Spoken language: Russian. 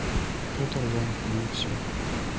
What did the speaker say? петр ян юфс